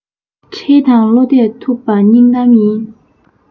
ཁྲེལ དང བློ གཏད ཐུབ པ སྙིང གཏམ ཡིན